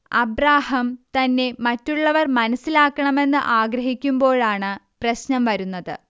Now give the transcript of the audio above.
Abraham തന്നെ മറ്റുള്ളവർ മനസ്സിലാക്കണമെന്ന് ആഗ്രഹിക്കുമ്പോഴാണ് പ്രശ്നം വരുന്നത്